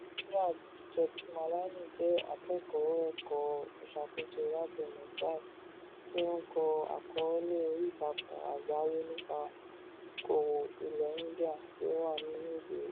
Chirag Jethmalani jẹ́ akẹ́kọ̀ọ́ ẹ̀kọ́ ìṣàkóso láti Mumbai tí ó ń kọ àkọọ́lẹ̀ oríìtakùn àgbáyé nípa òkòwò ilẹ̀ India tí ó wà ní Rúdurùdu.